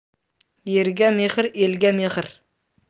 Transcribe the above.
yerga mehr elga mehr